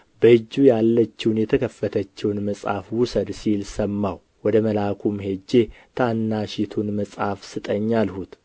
በእጁ ያለችውን የተከፈተችውን መጽሐፍ ውሰድ ሲል ሰማሁ ወደ መልአኩም ሄጄ ታናሺቱን መጽሐፍ ስጠኝ አልሁት